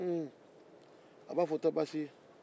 un a b'a fɔ ko o tɛ baasi ye